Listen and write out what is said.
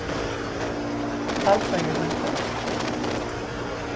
hvalsoyargøta